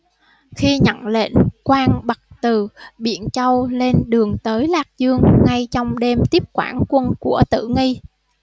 khi nhận lệnh quang bật từ biện châu lên đường tới lạc dương ngay trong đêm tiếp quản quân của tử nghi